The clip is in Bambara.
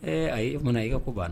A y'e kuma i ko banna